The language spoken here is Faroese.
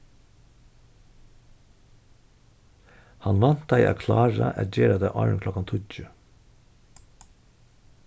hann væntaði at klára at gera tað áðrenn klokkan tíggju